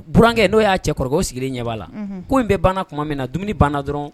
Burankɛ n'o y'a cɛ kɔrɔkɛ, o sigilen ɲɛ b'a la; Unhun; Ko in bɛ banna tuma min na, dumuni banna dɔrɔn